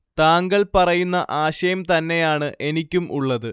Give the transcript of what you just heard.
താങ്കൾ പറയുന്ന ആശയം തന്നെയാണ് എനിക്കും ഉള്ളത്